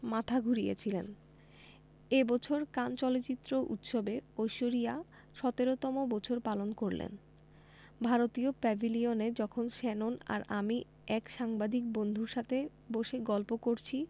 মাথা ঘুরিয়েছিলেন এ বছর কান চলচ্চিত্র উৎসবে ঐশ্বরিয়া ১৭তম বছর পালন করলেন ভারতীয় প্যাভিলিয়নে যখন শ্যানন আর আমি এক সাংবাদিক বন্ধুর সাথে বসে গল্প করছি